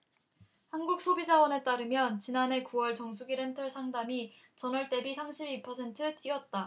한국소비자원에 따르면 지난해 구 월 정수기렌털 상담이 전월대비 삼십 이 퍼센트 뛰었다